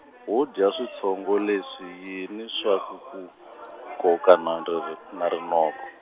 wo dya switshongo leswo yini swa ku ku koka na rino-, na rinoko.